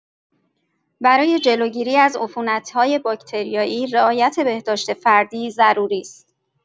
برای جلوگیری از عفونت‌های باکتریایی، رعایت بهداشت فردی ضروری است.